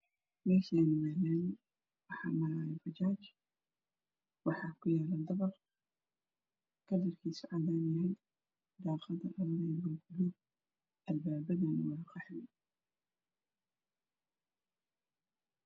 Meshani waa lami wax marayo bajaaj waxa ku yaalo dabaq kalarkiiso cadaanyahay daqada kalarkedona waa baloog albabaduna waa qaxwi